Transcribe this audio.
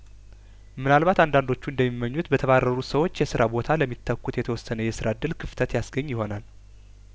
ምናልባት አንዳንዶቹ እንደሚመኙት በተባረሩት ሰዎች የስራ ቦታ ለሚ ተኩት የተወሰነ የስራ እድል ክፍተት ያስገኝ ይሆናል